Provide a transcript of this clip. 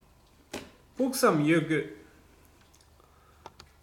ཕུགས བསམ ཡོད དགོས